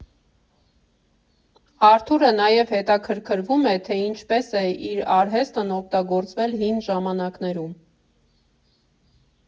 Արթուրը նաև հետաքրքրվում է, թե ինչպես է իր արհեստն օգտագործվել հին ժամանակներում։